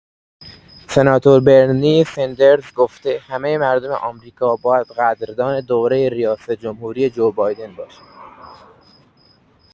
سناتور برنی سندرز گفته همه مردم آمریکا باید قدردان دوره ریاست‌جمهوری جو بایدن باشند.